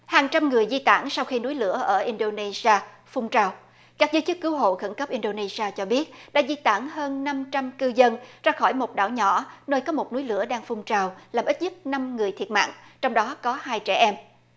hàng trăm người di tản sau khi núi lửa ở in đô nê xi a phun trào các giới chức cứu hộ khẩn cấp in đô nê xi a cho biết đã di tản hơn năm trăm cư dân ra khỏi một đảo nhỏ nơi có một núi lửa đang phun trào làm ít nhất năm người thiệt mạng trong đó có hai trẻ em